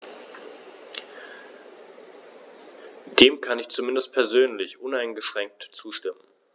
Dem kann ich zumindest persönlich uneingeschränkt zustimmen.